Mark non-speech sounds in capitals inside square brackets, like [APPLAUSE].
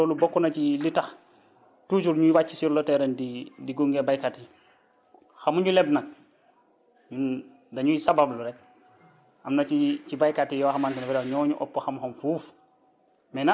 donc loolu bokk na ci li tax toujours ñuy wàcc sur le terrain di di gunge béykat yi xamuñu leb nag [HESITATION] dañuy sabablu rek am na ci ci béykat yi yoo xamante ne [COUGHS] ñoo ñu ëpp xam-xam fuuf